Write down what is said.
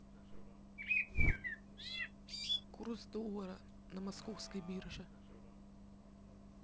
курс доллара на московской бирже